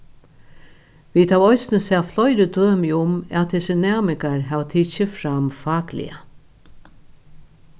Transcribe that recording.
vit hava eisini sæð fleiri dømi um at hesir næmingar hava tikið seg fram fakliga